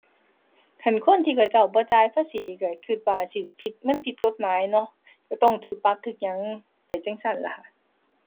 คันคนที่เขาเจ้าบ่จ่ายภาษีก็ก็ว่าสิผิด มันผิดกฎหมายเนาะ ก็ต้องก็ปรับก็หยังไปจั่งซั้นล่ะ